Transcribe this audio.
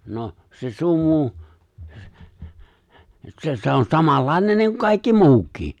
no se sumu se se on samanlainen niin kuin kaikki muukin